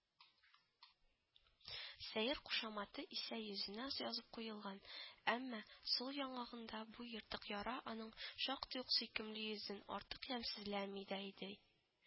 Сәер кушаматы исә йөзенә язып куелган, әмма сул яңагындагы бу ертык яра аның шактый ук сөйкемле йөзен артык ямьсезләми дә иде